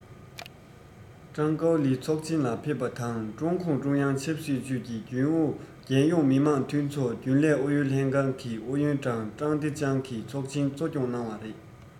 ཀྲང ཀའོ ལི ཚོགས ཆེན ལ ཕེབས པ དང ཀྲུང གུང ཀྲུང དབྱང ཆབ སྲིད ཅུས ཀྱི རྒྱུན ཨུ རྒྱལ ཡོངས མི དམངས འཐུས ཚོགས རྒྱུན ལས ཨུ ཡོན ལྷན ཁང གི ཨུ ཡོན ཀྲང ཀྲང ཏེ ཅང གིས ཚོགས ཆེན གཙོ སྐྱོང གནང བ རེད